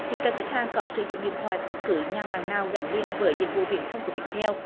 chỉ cần khách hàng có sử dụng điện thoại bất cứ nhà mạng nào gắn liền với dịch vụ viễn thông của việt theo